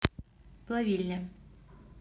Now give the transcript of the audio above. плавильня